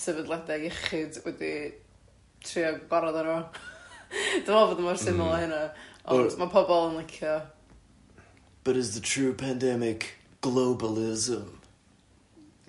sefydliada' iechyd wedi trio cal gwarad arno fo dwi'n meddwl bod o mor syml a hynna, ond ma' pobl yn licio... But is the true pandemic globalism?